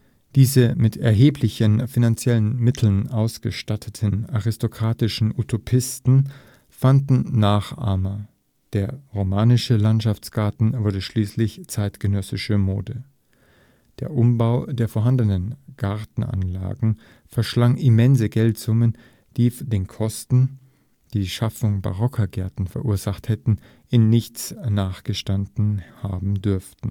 Diese mit erheblichen finanziellen Mitteln ausgestatteten aristokratischen Utopisten fanden Nachahmer, der romantische Landschaftsgarten wurde schließlich zeitgenössische Mode. Der Umbau der vorhandenen Gartenanlagen verschlang immense Geldsummen, die den Kosten, die die Schaffung barocker Gärten verursacht hatten, in nichts nachgestanden haben dürften